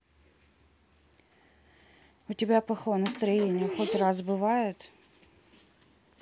у тебя плохое настроение хоть раз бывает